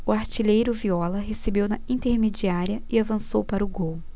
o artilheiro viola recebeu na intermediária e avançou para o gol